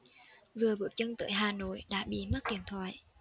vừa bước chân tới hà nội đã bị mất điện thoại